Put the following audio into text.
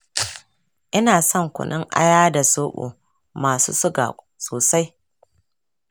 ina son kunun aya da zoɓo masu suga sosai.